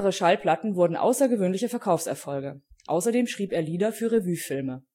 Schallplatten wurden außergewöhnliche Verkaufserfolge; außerdem schrieb er Lieder für Revuefilme